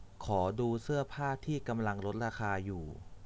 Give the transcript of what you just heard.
ขอดูเสื้อผ้าที่กำลังลดราคาอยู่